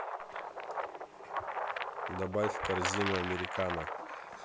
добавь в корзину американо